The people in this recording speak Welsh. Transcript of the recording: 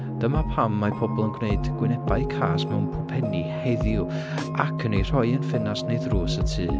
Dyma pam mae pobl yn gwneud gwynebau cas mewn pwmpenni heddiw, ac yn eu rhoi yn ffenest neu ddrws y tŷ.